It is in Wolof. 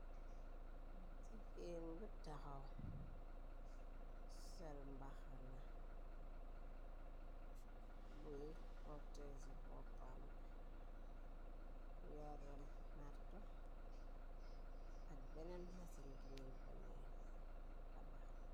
Jigeen bu taxaw sol mbaxana buy protese bopamb yorem marta ak beneen masen ginay bane taba.